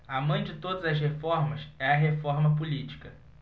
a mãe de todas as reformas é a reforma política